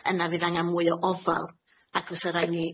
yna fydd angan mwy o ofal, ac fysa rai' ni